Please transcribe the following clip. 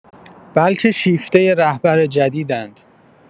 بلکه شیفته رهبر جدیدند.